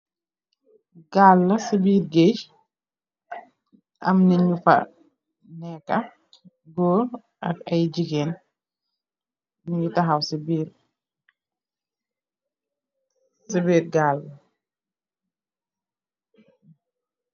Gàl la ci biir gaaj am nit ñu fa nekka gór ak ay gigeen ñugi taxaw ci biir gal.